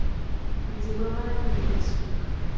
не забывай меня свик